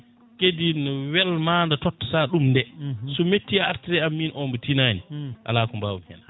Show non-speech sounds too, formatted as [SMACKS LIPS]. kadi ne welma nde tottata ɗum nde [SMACKS LIPS] so metti a artiri e am min mo tinani [SMACKS LIPS] ala ko mbawmi hen